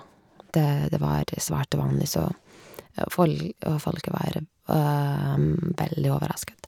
det Det var svært uvanlig, så og fol og folket var veldig overrasket.